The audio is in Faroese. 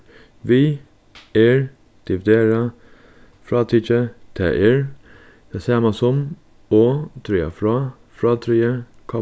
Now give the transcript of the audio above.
við er dividera frátikið tað er tað sama sum og draga frá frádrigið